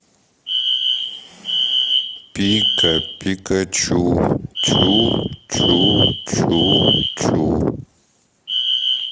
пика пикачу чу чу чу чу